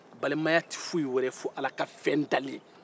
balimaya tɛ foyi wɛrɛ ye fo ala ka fɛ dalen